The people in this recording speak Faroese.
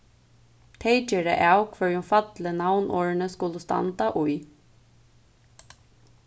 tey gera av hvørjum falli navnorðini skulu standa í